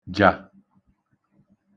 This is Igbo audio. -jà